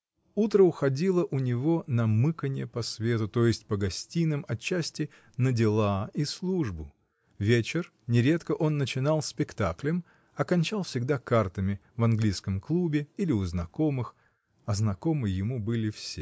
Утро уходило у него на мыканье по свету, то есть по гостиным, отчасти на дела и службу, вечер нередко он начинал спектаклем, а кончал всегда картами в Английском клубе или у знакомых, а знакомы ему были все.